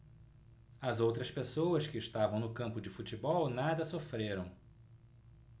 as outras pessoas que estavam no campo de futebol nada sofreram